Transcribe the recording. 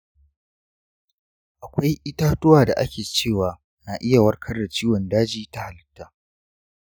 akwai itatuwa da ake cewa na iya warkar da ciwon daji ta halitta.